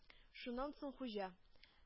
Шуннан соң Хуҗа: